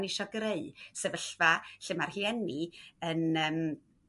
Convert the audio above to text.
ni isio greu sefyllfa lle ma'r hieni yn yym